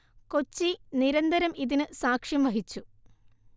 കൊച്ചി നിരന്തരം ഇതിനു സാക്ഷ്യം വഹിച്ചു